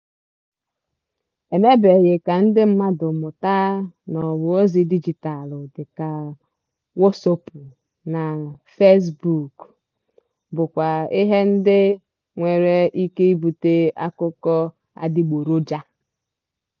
Emebeghị ka ndị mmadụ mụta na ọwa ozi dijitalụ dị ka Wọsọpụ na Fezbuk bụkwa ihe ndị nwere ike ibute akụkọ adịgboroja.